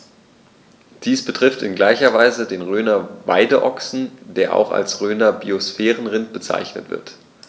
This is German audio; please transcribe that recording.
Dies betrifft in gleicher Weise den Rhöner Weideochsen, der auch als Rhöner Biosphärenrind bezeichnet wird.